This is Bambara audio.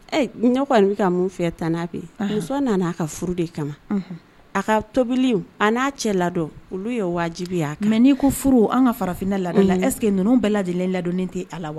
Kɔni bɛ ka mun fɛ tan n'a fɛ muso nana' a ka furu de kama a ka tobili a n'a cɛ ladɔn olu ye wajibiya mɛ'i ko furu an ka farafinna lada la ɛseke ninnu bɛɛde ladonnen tɛ ala wa